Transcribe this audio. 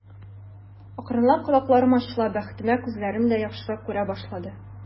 Акрынлап колакларым ачыла, бәхетемә, күзләрем дә яхшырак күрә башлады.